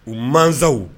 U mansaw